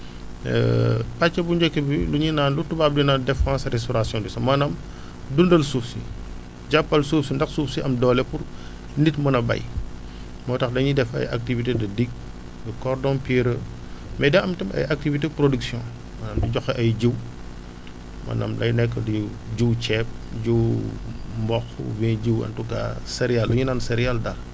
pàcc bu njëkk bi lu ñuy naan lu tubaab di naan def *** maanaam dundal suuf si jàppal suuf si ndax suuf si am doole pour nit ñi mën a béy moo tax dañuy def ay activités de digue de cordon pierreux mais daa am tam ay activités production maanaam di joxe ay jiw maanaam day nekk jiw jiwu ceeb jiwu mboq oubien jiwu en tout cas céréale li ñuy naan céréale daal